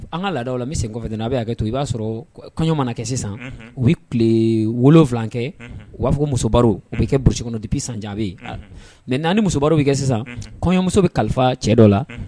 An ka laadadaw la bɛ sen kɔfɛ n' a bɛ' kɛ to i b'a sɔrɔ kɔɲɔ mana kɛ sisan u bɛ tile wolo wolonwula kɛ u b'a fɔ ko bɛ kɛurukɔnɔdibi san jaabi ye mɛ naani ni muso' kɛ kɔɲɔmuso bɛ kalifa cɛ dɔ la